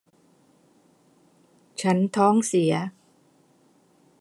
ฉันท้องเสีย